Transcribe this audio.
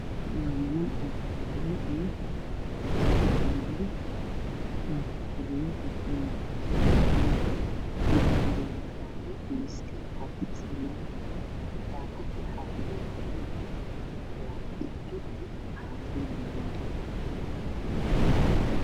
Waa niman iyo naga fadhiyaan meel ku fadhiyaan kuraas jaalle ah mid caddaan ee horyaalo darbiga danbe waa cadaan